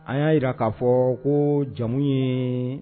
A y'a jira k'a fɔ ko jamu yee